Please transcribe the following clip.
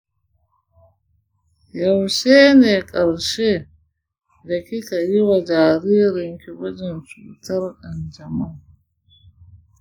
yaushe ne ƙarshe da kika yi wa jaririnki gwajin cutar ƙanjamau?